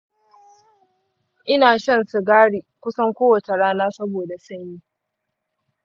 ina shan sigari kusan kowace rana saboda sanyi.